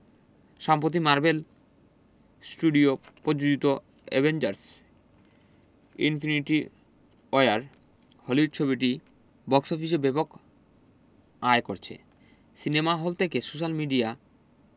সাম্পতি Marvel studio পযোজিত Avengers Infinity War Hollywood ছবিটি box অফিসে ব্যাপক আয় করছে সিনেমা হল থেকে সোশ্যাল মিডিয়া